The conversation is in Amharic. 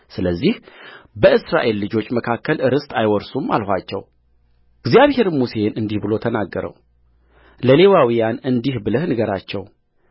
ስለዚህ በእስራኤል ልጆች መካከል ርስት አይወርሱም አልኋቸውእግዚአብሔርም ሙሴን እንዲህ ብሎ ተናገረውለሌዋውያን እንዲህ ብለህ ንገራቸው